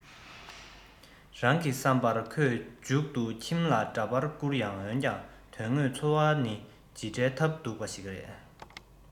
རིང གི བསམ པར ཁོས མཇུག ཏུ ཁྱིམ ལ འདྲ པར བསྐུར ཡང འོན ཀྱང དོན དངོས འཚོ བ ནི ཇི འདྲའི ཐབས སྡུག པ ཞིག རེད